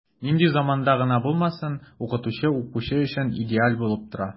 Нинди заманда гына булмасын, укытучы укучы өчен идеал булып тора.